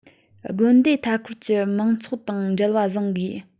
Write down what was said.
དགོན སྡེ མཐའ འཁོར གྱི དམངས ཚོགས དང འབྲེལ བ བཟང དགོས